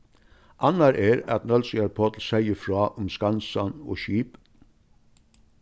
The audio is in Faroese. annar er at nólsoyar páll segði frá um skansan og skip